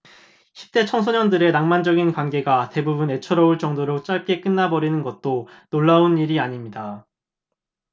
십대 청소년들의 낭만적인 관계가 대부분 애처로울 정도로 짧게 끝나 버리는 것도 놀라운 일이 아닙니다